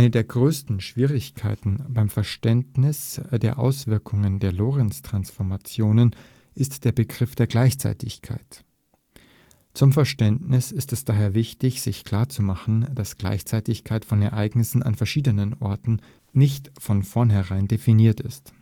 der größten Schwierigkeiten beim Verständnis der Auswirkungen der Lorentztransformationen ist der Begriff der Gleichzeitigkeit. Zum Verständnis ist es daher wichtig, sich klarzumachen, dass Gleichzeitigkeit von Ereignissen an verschiedenen Orten nicht von vornherein definiert ist